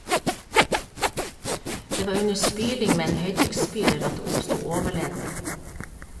Det var under spyling med en høytrykksspyler at det oppsto overledning.